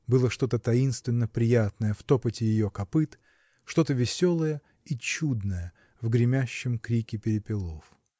было что-то таинственно приятное в топоте ее копыт, что-то веселое и чудное в гремящем крике перепелов.